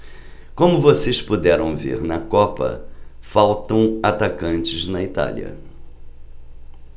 como vocês puderam ver na copa faltam atacantes na itália